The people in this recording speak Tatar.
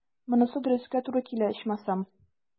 Монысы дөрескә туры килә, ичмасам.